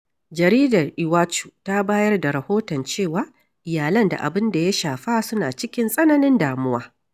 Jaridar Iwacu ta bayar da rahoton cewa iyalan da abin ya shafa suna cikin tsananin damuwa.